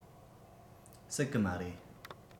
སྲིད གི མ རེད